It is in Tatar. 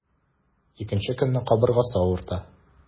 Икенче көнне кабыргасы авырта.